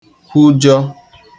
kwujọ̄